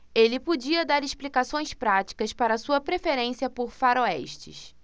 ele podia dar explicações práticas para sua preferência por faroestes